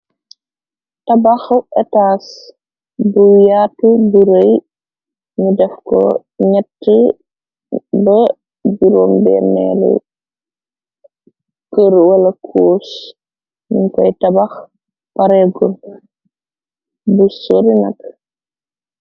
Tabaxa etas bu yaatu burëy nu def ko ñyetti ba duróom benneelu kërr wala coos ni koy tabax pareegur bu sori nak.